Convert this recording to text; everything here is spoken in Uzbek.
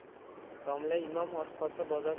domla imom och qolsa bozor